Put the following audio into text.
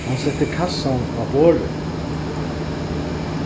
hann setti kassan á borðið